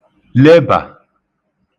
lebà